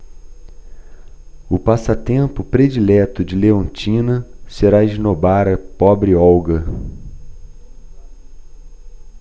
o passatempo predileto de leontina será esnobar a pobre olga